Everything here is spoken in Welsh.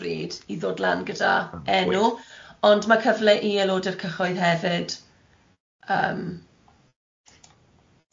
bryd i ddod lan gyda enw, ond ma' cyfle i aelodau'r cyhoedd hefyd yym